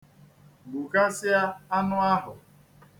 Gbukasịa anụ ahu.